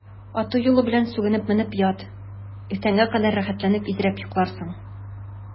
Аты-юлы белән сүгенеп менеп ят, иртәнгә кадәр рәхәтләнеп изрәп йокларсың.